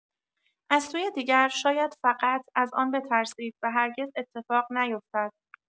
از سوی دیگر، شاید فقط از آن بترسید و هرگز اتفاق نیفتد.